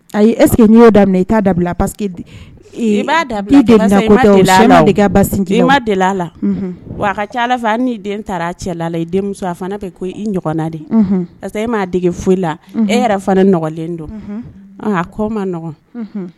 A esekeo da i' da paseke ma delila a la wa a ka ca ala n den taara a cɛla la i denmuso a fana bɛ ko i ɲɔgɔn e m ma dege foyi la e yɛrɛ fanalen dɔn a kɔ maɔgɔn